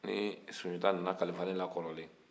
ni sunjata nana kalifa ne la kɔrɔlen